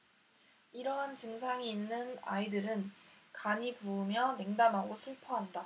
이러한 증상이 있는 아이들은 간이 부으며 냉담하고 슬퍼한다